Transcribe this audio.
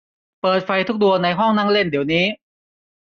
เปิดไฟทุกดวงในห้องนั่งเล่นเดี๋ยวนี้